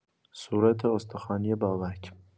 صورت استخوانی بابک